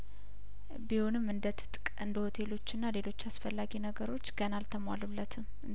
ቢሆንም እንደትጥቅ እንደሆቴሎችና ሌሎች አስፈላጊ ነገሮች ገና አልተሟሉለትም እን